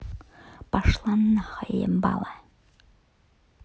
пошла нахуй ебало